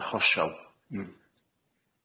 achosion.